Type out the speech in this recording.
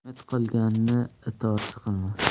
it qilganni itorchi qilmas